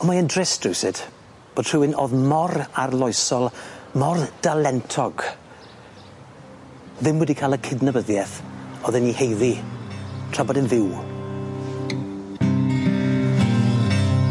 On' mae e'n drist rywsut bod rhywun o'dd mor arloesol mor dalentog ddim wedi ca'l y cydnabyddiaeth o'dd e'n 'i heiddi tra bod e'n fyw.